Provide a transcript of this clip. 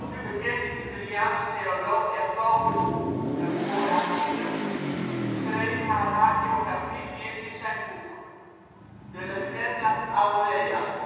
de bekende Italiaanse theoloog Jacobus de Voragine schreef haar hagiografie neer in zijn boek, de Legenda Aurea